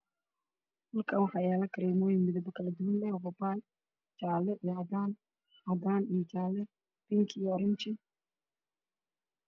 Halkaan waxaa yaalo kareemo midabo kale duwan leh sida babaay, cadaan, jaale, bingi iyo oranji.